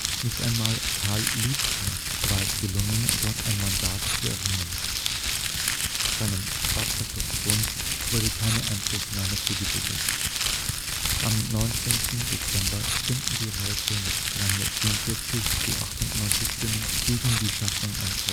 Nicht einmal Karl Liebknecht war es gelungen, dort ein Mandat zu erringen. Seinem Spartakusbund wurde keine Einflussnahme zugebilligt. Am 19. Dezember stimmten die Räte mit 344 zu 98 Stimmen gegen die Schaffung eines